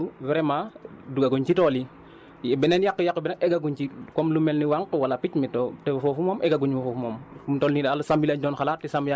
mais daal jur yi wax dëgg yàlla sàmm yaa ngi góorgóorlu vraiment duggaguñ si tool yi beneen yàq-yàq bi nag eggaguñ ci comme lu mel ni wànq wala picc mais ** foofu moom eggaguñ fa foofu moom